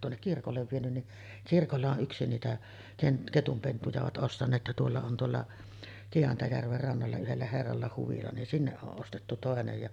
ja tuonne kirkolle vienyt niin kirkolla on yksi niitä - ketunpentuja ovat ostaneet ja tuolla on tuolla Kiantajärven rannalla yhdellä herralla huvila niin sinne on ostettu toinen ja